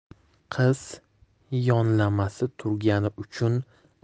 qiz yonlamasi turgani uchun